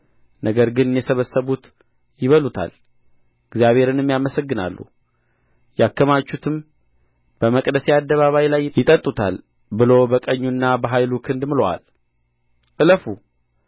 ነገር ግን የሰበሰቡት ይበሉታል እግዚአብሔርንም ያመሰግናሉ ያከማቹትም በመቅደሴ አደባባይ ላይ ይጠጡታል ብሎ በቀኙና በኃይሉ ክንድ ምሎአል እለፉ